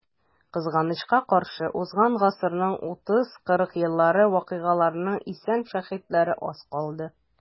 Кызганычка каршы, узган гасырның 30-40 еллары вакыйгаларының исән шаһитлары аз калды.